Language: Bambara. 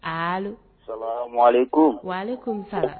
Ali ko kun sa